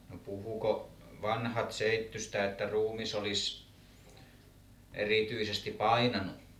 no puhuiko vanhat seittyistä että ruumis olisi erityisesti painanut